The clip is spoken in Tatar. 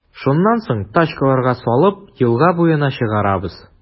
Шуннан соң, тачкаларга салып, елга буена чыгарабыз.